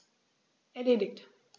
Erledigt.